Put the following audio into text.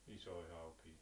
isoja haukia